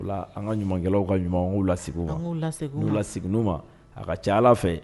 An ka ɲumankɛlaw ka ɲuman'u la'uu ma a ka ca ala fɛ